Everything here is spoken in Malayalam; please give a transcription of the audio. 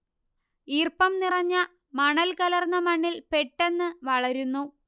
ഈർപ്പം നിറഞ്ഞ മണൽ കലർന്ന മണ്ണിൽ പെട്ടെന്ന് വളരുന്നു